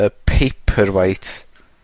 y Paperwhite,